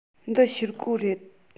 འདི ཤེལ སྒོ རེད